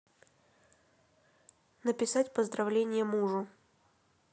написать поздравление мужу